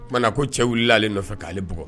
O tuma ko cɛ wulila le nɔfɛ k'ale b bɔ